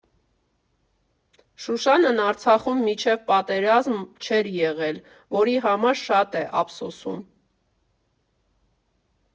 Շուշանն Արցախում մինչ պատերազմ չէր եղել, որի համար շատ է ափսոսում։